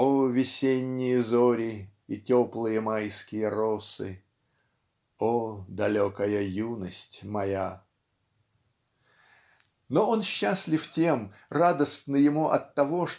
О, весенние зори и теплые майские росы! О, далекая юность моя! Но он счастлив тем радостно ему от того